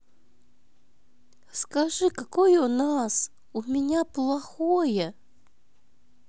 скажи какой у нас у меня плохое